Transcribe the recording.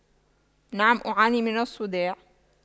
نعم أعاني من الصداع